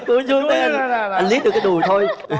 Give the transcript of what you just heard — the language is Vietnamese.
cúi xuống cái anh liếc được cái đùi thôi